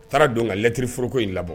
Taara don kalɛttiririoroko in labɔ